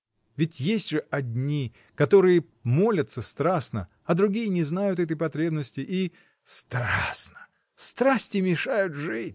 Ведь есть же одни, которые молятся страстно, а другие не знают этой потребности, и. — Страстно! Страсти мешают жить.